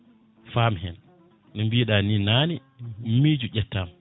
faam hen ne mbiɗani nane miijo ƴettama